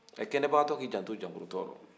kɛngɛbagatɔ k'i janto jangololɔ la